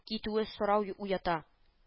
Китүе сорау уята